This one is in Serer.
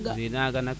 re naga nak